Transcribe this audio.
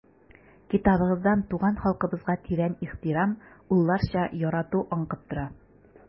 Китабыгыздан туган халкыбызга тирән ихтирам, улларча ярату аңкып тора.